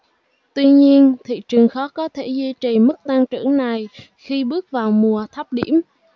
tuy nhiên thị trường khó có thể duy trì mức tăng trưởng này khi bước vào mùa thấp điểm